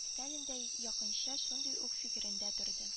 Сталин да якынча шундый ук фикердә торды